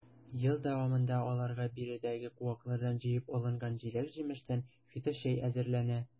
Ел дәвамында аларга биредәге куаклардан җыеп алынган җиләк-җимештән фиточәй әзерләнә.